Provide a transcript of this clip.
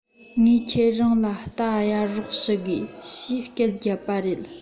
ངས ཁྱེད རང ལ རྟ གཡར རོགས ཞུ དགོས ཞེས སྐད རྒྱབ པ རེད